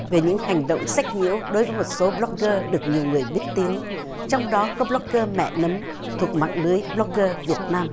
về những hành động sách nhiễu đối với một số bờ lóc cơ được nhiều người biết tiếng trong đó các bờ lóc cơ mẹ nấm thuộc mạng lưới bờ lóc cơ việt nam